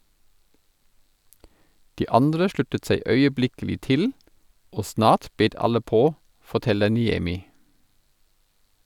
De andre sluttet seg øyeblikkelig til, og snart bet alle på, forteller Niemi.